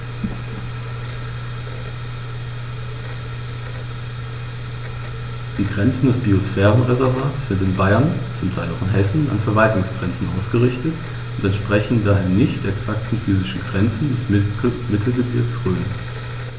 Die Grenzen des Biosphärenreservates sind in Bayern, zum Teil auch in Hessen, an Verwaltungsgrenzen ausgerichtet und entsprechen daher nicht exakten physischen Grenzen des Mittelgebirges Rhön.